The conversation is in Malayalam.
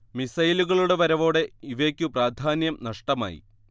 മിസൈലുകളുടെ വരവോടെ ഇവയ്ക്കു പ്രാധാന്യം നഷ്ടമായി